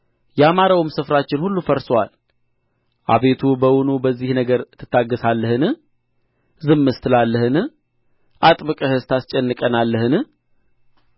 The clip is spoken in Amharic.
ያማረውም ስፍራችን ሁሉ ፈርሶአል አቤቱ በውኑ በዚህ ነገር ትታገሣለህን ዝምስ ትላለህን አጥብቀህስ ታስጨንቀናለህን